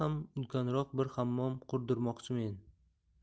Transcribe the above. ulkanroq bir hammom qurdirmoqchimen